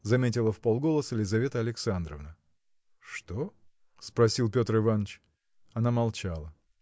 – заметила вполголоса Лизавета Александровна. – Что? – спросил Петр Иваныч. Она молчала.